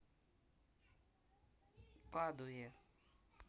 падуе